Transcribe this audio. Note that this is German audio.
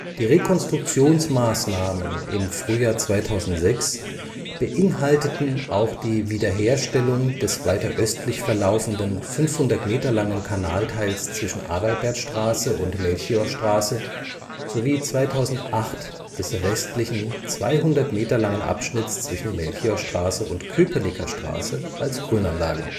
Die Rekonstruktionsmaßnahmen im Frühjahr 2006 beinhalteten auch die Wiederherstellung des weiter östlich verlaufenden 500 Meter langen Kanalteils zwischen Adalbertstraße und Melchiorstraße sowie 2008 des restlichen 200 Meter langen Abschnitts zwischen Melchiorstraße und Köpenicker Straße als Grünanlage